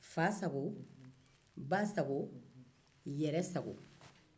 fasago basago yɛrɛsago